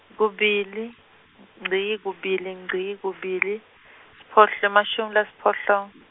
kubili, ngci, kubili, ngci, kubili, siphohl-, emashumi lasiphohlongo.